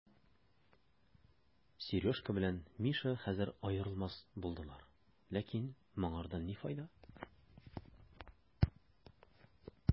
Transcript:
Сережка белән Миша хәзер аерылмас булдылар, ләкин моңардан ни файда?